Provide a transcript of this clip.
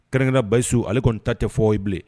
Kɛrɛnkɛrɛnna Bayusu ale kɔni ta tɛ fɔ ye bilen